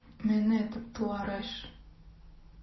Менә таптылар эш!